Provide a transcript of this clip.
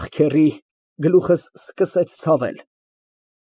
Ախ, քեռի, գլուխս սկսեց ցավել։